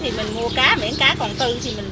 thì mừn mua cá miễn cá còn tươi thì mừn